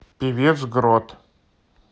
певец грот